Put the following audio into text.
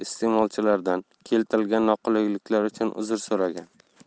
iste'molchilardan keltirilgan noqulayliklar uchun uzr so'ragan